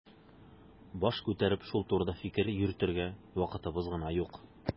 Баш күтәреп шул турыда фикер йөртергә вакытыбыз гына юк.